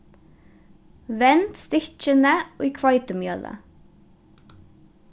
vend stykkini í hveitimjølið